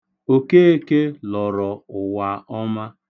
Okeeke lọrọ ụwa ọma.